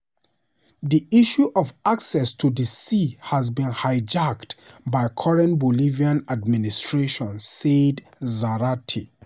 "The issue of access to the sea has been hijacked by the current Bolivian administration," said Zárate.